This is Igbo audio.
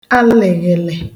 alị̀ghị̀lị̀